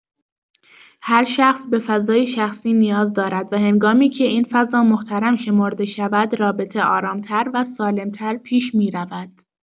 هر شخص به فضای شخصی نیاز دارد و هنگامی‌که این فضا محترم شمرده شود، رابطه آرام‌تر و سالم‌تر پیش می‌رود.